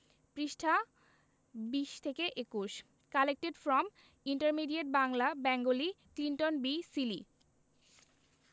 পৃষ্ঠাঃ ২০ থেকে ২১ collected from intermediate Bangla Bengali Clinton B Seely